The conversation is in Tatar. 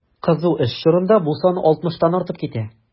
Кызу эш чорында бу сан 60 тан да артып китә.